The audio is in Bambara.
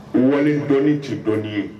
Wale dɔni ti dɔni ye